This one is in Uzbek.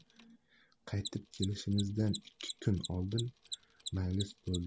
qaytib kelishimizdan ikki kun oldin maylis bo'ldi